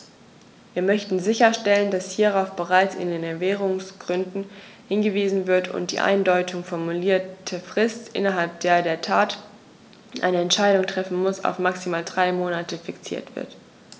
Wir möchten sicherstellen, dass hierauf bereits in den Erwägungsgründen hingewiesen wird und die uneindeutig formulierte Frist, innerhalb der der Rat eine Entscheidung treffen muss, auf maximal drei Monate fixiert wird.